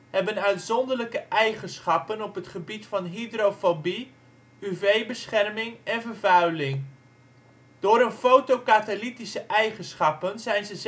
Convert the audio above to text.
hebben uitzonderlijke eigenschappen op het gebied van hydrofobie, UV-bescherming en vervuiling. Door hun fotokatalytische eigenschappen zijn ze